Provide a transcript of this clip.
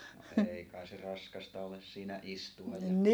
no ei kai se raskasta ole siinä istua ja